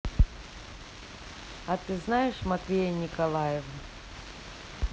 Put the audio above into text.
а ты знаешь матвея николаева